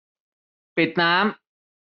ปิดน้ำ